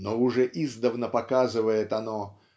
Но уже издавна показывает оно